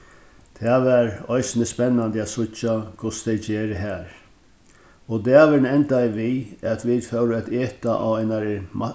tað var eisini spennandi at síggja hvussu tey gera har og dagurin endaði við at vit fóru at eta á einari